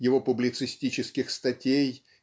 его публицистических статей